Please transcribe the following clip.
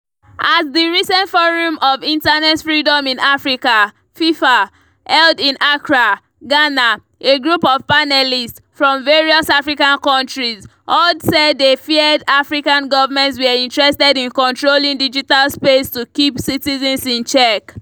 At the recent Forum of Internet Freedom in Africa (FIFA) held in Accra, Ghana, a group of panelists from various African countries all said they feared African governments were interested in controlling digital space to keep citizens in check.